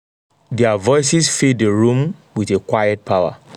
Their voices filled the room with a quiet power.